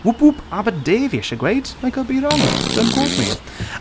Whoop whoop, Aberdare fi isie gweud, I could be wrong, don't quote me.